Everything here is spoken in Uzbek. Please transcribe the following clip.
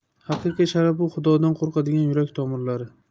haqiqiy sharaf bu xudodan qo'rqadigan yurak tomirlari